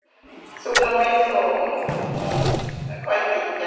ซุบหน่อไม้ส้ม อั่น อั่น ข้อยติดใจ